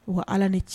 Wa ala ni ci